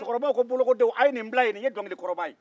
cɛkɔrɔbaw ko a' ye nin bila ye bolokodenw nin ye dɔnkilikɔrɔba ye